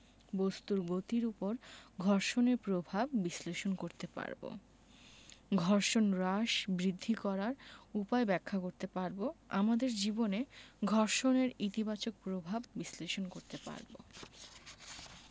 বস্তুর গতির উপর ঘর্ষণের প্রভাব বিশ্লেষণ করতে পারব ঘর্ষণ হ্রাস বৃদ্ধি করার উপায় ব্যাখ্যা করতে পারব আমাদের জীবনে ঘর্ষণের ইতিবাচক প্রভাব বিশ্লেষণ করতে পারব